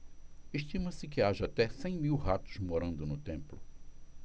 estima-se que haja até cem mil ratos morando no templo